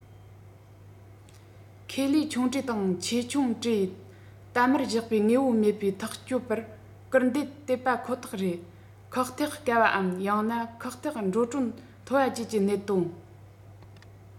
ཁེ ལས ཆུང གྲས དང ཆེས ཆུང གྲས གཏའ མར བཞག པའི དངོས པོ མེད པའི ཐག གཅོད པར སྐུལ འདེད དང པ ཁོ ཐག རེད ཁག ཐེག དཀའ བ པའམ ཡང ན ཁག ཐེག འགྲོ གྲོན མཐོ བ བཅས ཀྱི གནད དོན